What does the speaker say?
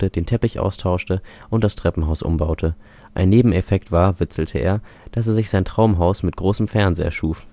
den Teppich austauschte und das Treppenhaus umbaute. Ein Nebeneffekt war, witzelte er, dass er sich sein „ Traumhaus mit großem Fernseher “schuf